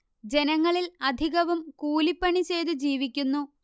ജനങ്ങളിൽ അധികവും കൂലി പണി ചെയ്തു ജീവിക്കുന്നു